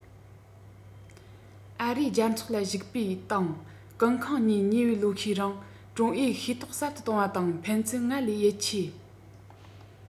ཨ རིའི རྒྱལ ཚོགས ལ ཞུགས པའི དང ཀུན ཁང གཉིས ཉེ བའི ལོ ཤས རིང ཀྲུང ཨའི ཤེས རྟོགས ཟབ ཏུ གཏོང བ དང ཕན ཚུན སྔར བས ཡིད ཆེས